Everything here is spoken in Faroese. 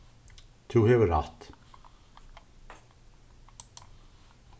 tú hevur rætt